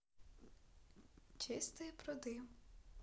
чистые пруды